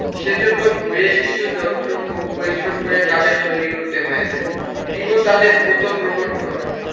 সেজন্য বেশ কিছু যন্ত্র খুব পরিশ্রম করে তাদের তৈরি করতে হয়েছে রিবো তাদের প্রথম রোবট নয়